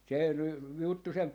se nyt juttu sen